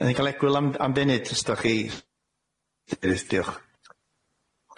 'Nawn ni ga'l egwyl am am funud os 'dach chi yy diolch.